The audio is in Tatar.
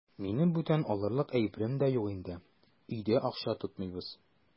Минем бүтән алырлык әйберем дә юк инде, өйдә акча тотмыйбыз.